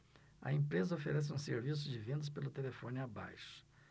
a empresa oferece um serviço de vendas pelo telefone abaixo